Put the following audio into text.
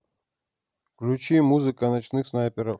включи музыку ночных снайперов